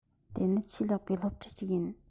དེ ནི ཆེས ལེགས པའི སློབ ཁྲོད ཅིག ཡིན